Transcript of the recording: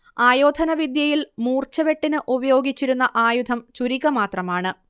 ആയോധനവിദ്യയിൽ മൂർച്ചവെട്ടിന് ഉപയോഗിച്ചിരുന്ന ആയുധം ചുരിക മാത്രമാണ്